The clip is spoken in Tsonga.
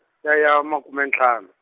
ya ya makume ntlhanu.